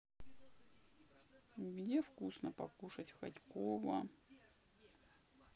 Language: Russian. где вкусно покушать в хотьково